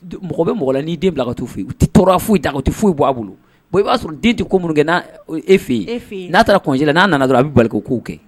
Mɔgɔ bɛ mɔgɔ la n'i den bila ka tufu u tɛ tɔɔrɔura foyi dan to foyi bɔ a bolo i b'a sɔrɔ den tɛ ko minnu kɛ n e fɛ yen n'a taarase n'a nana a bɛ bali ko kɛ